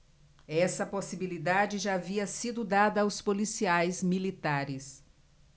essa possibilidade já havia sido dada aos policiais militares